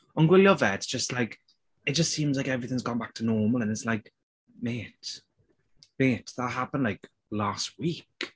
Ond gwylio fe it's just like it just seems like everything's gone back to normal and it's like mate. Mate, that happened like last week*.